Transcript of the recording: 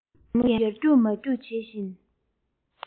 རྒད མོ ཡར རྒྱུག མར རྒྱུག བྱེད བཞིན